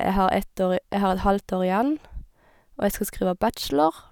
jeg har ett år i Jeg har et halvt år igjen, og jeg skal skrive bachelor.